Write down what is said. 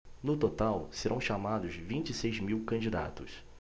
no total serão chamados vinte e seis mil candidatos